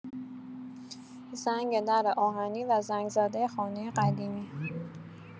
زنگ در آهنی و زنگ‌زده خانه قدیمی